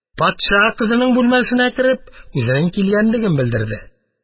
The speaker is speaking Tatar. Патша кызының бүлмәсенә кереп, үзенең килгәнлеген белдерде.